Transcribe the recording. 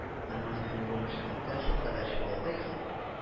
Аның зиһене бу мәшәкатьтән шулкадәр чуалды ки